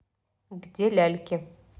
где ляльки